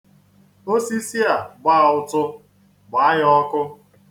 Osisi a gbaa ụtụ, gbaa ya ọkụ!